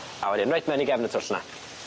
A wedyn reit mewn i gefn y twll 'na.